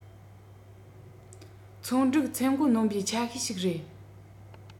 ཚོང འགྲིག ཚད མགོ གནོན པའི ཆ ཤས ཤིག རེད